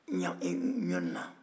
ɲɔnima